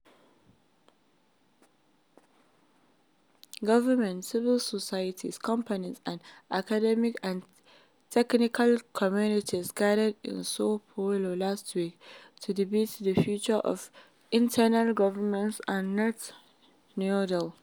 Governments, civil society, companies, and academic and technical communities gathered in Sao Paulo last week to debate the future of Internet governance at NETmundial.